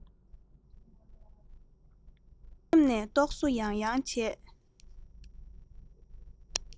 སེམས ནས རྟོག བཟོ ཡང ཡང བྱས